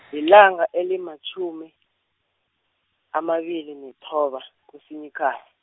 lilanga elimatjhumi, amabili nethoba, kuSinyikha-.